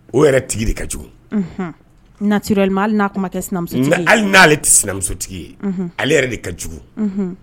O yɛrɛ tigi de ka jugu nali hali n'a kuma ma kɛ sinamuso hali n'ale tɛ sinamuso tigi ye ale yɛrɛ de ka jugu